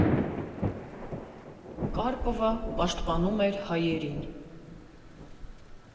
Կարպովը պաշտպանում էր հայերին։